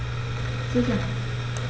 Sicher.